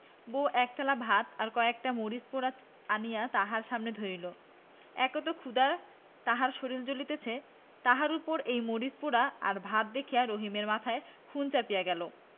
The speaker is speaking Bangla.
বউ একথালা ভাত আর কয়েকটা মরিচ পোড়া আনিয়া তাহার সামনে ধরিল একে তো ক্ষুধায় তাহার শরীর জ্বলিতেছে তাহার উপর এই মরিচ পােড়া আর ভাত দেখিয়া রহিমের মাথায় খুন চাপিয়া গেল